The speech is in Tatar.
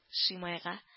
Шимайга